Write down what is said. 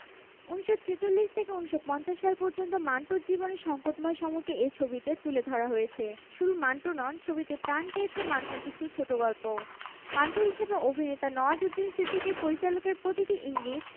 Avengers দেখে কিছুই বুঝতে পারেননি অমিতাভ বলিউডের কিংবদন্তী অভিনেতা অমিতাভ বচ্চন সোশ্যাল মিডিয়াতে বেশ সক্রিয় নিজের দৈনন্দিন জীবনের সব ঘটনাই প্রায় সোশ্যাল মিডিয়ায় তিনি তার ফ্যানেদের সঙ্গে শেয়ার করেন